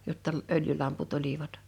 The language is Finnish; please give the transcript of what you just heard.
jotta öljylamput olivat